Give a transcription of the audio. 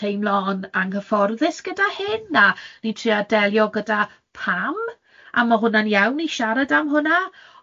teimlo'n anghyfforddus gyda hyn, a ni'n trio delio gyda pam, a ma' hwnna'n iawn i siarad am hwnna.